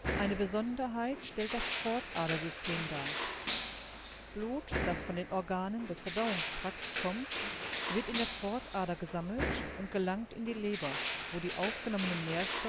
Eine Besonderheit stellt das Pfortadersystem dar. Blut, das von den Organen des Verdauungstrakts kommt, wird in der Pfortader gesammelt und gelangt in die Leber, wo die aufgenommenen Nährstoffe verwertet werden